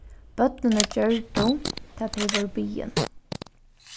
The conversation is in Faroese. børnini gjørdu tað tey vórðu biðin